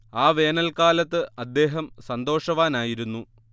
ആ വേനൽക്കാലത്ത് അദ്ദേഹം സന്തോഷവാനായിരുന്നു